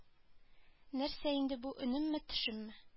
Нәрсә инде бу өнемме төшемме